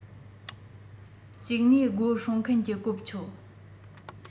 གཅིག ནས སྒོ སྲུང མཁན གྱི གོ ཆོད